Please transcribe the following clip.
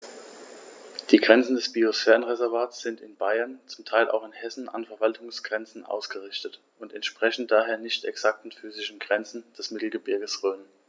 Die Grenzen des Biosphärenreservates sind in Bayern, zum Teil auch in Hessen, an Verwaltungsgrenzen ausgerichtet und entsprechen daher nicht exakten physischen Grenzen des Mittelgebirges Rhön.